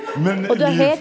men Liv.